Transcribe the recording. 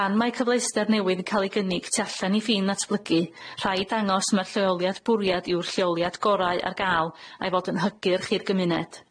Pan mae cyfleuster newydd yn ca'l 'i gynnig tu allan i ffin ddatblygu rhaid dangos ma'r lleoliad bwriad yw'r lleoliad gorau ar ga'l a'i fod yn hygyrch i'r gymuned.